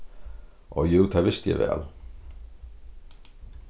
áh jú tað visti eg væl